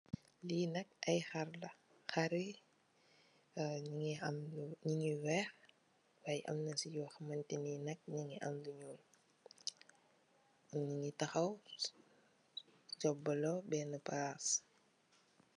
Li nak ay kharr la. Kharr yi nyungi weex waay amna su yu khaman tinee nyungi am lu ñuul nyum nyep nyungi takhaw bena diguh.